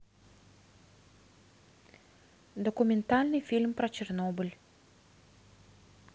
документальный фильм про чернобыль